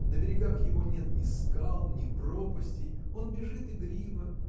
на берегах его нет ни скал, ни пропастей он бежит игриво